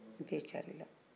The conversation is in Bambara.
u bɛɛ carila